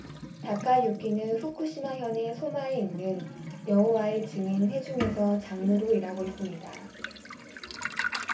다카유키는 후쿠시마 현의 소마에 있는 여호와의 증인 회중에서 장로로 일하고 있습니다